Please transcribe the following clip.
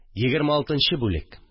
26 бүлек